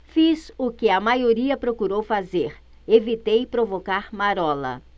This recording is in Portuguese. fiz o que a maioria procurou fazer evitei provocar marola